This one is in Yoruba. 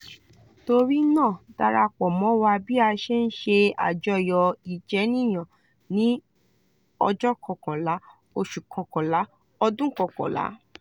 Torí náà darapọ̀ mọ́ wa bí a ṣe ń ṣe àjọyọ̀ ìjénìyàn ní 11/11/11.